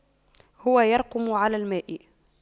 هو يرقم على الماء